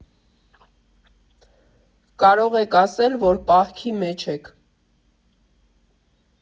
Կարող եք ասել, որ պահքի մեջ եք։